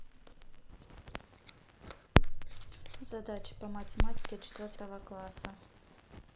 задачи по математике четвертого класса